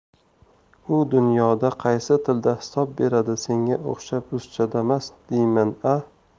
u dunyoda qaysi tilda hisob beradi senga o'xshab ruschadamas deyman a